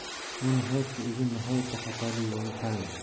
u nihoyatda uzun nihoyatda xatarli yo'lni tanladi